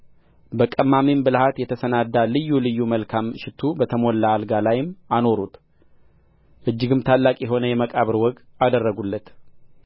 በቀማሚ ብልሃት የተሰናዳ ልዩ ልዩ መልካም ሽቱ በተሞላ አልጋ ላይም አኖሩት እጅግም ታላቅ የሆነ የመቃብር ወግ አደረጉለት